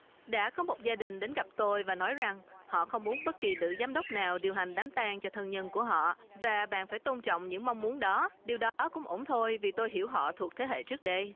đã có một gia đình đến gặp tôi và nói rằng họ không muốn bất kỳ nữ giám đốc nào điều hành đám tang cho thân nhân của họ và bạn phải tôn trọng những mong muốn đó điều đó cũng ổn thôi vì tôi hiểu họ thuộc thế hệ trước đây